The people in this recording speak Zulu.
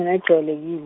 -jwayelekile.